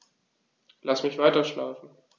Lass mich weiterschlafen.